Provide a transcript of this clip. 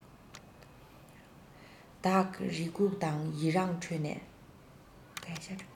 བདག རེ སྒུག དང ཡི རངས ཁྲོད ནས